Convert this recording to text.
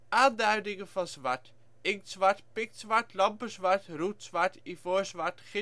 Aanduidingen van zwart: Inktzwart, pikzwart, lampenzwart, roetzwart, ivoorzwart